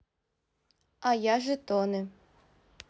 а я жетоны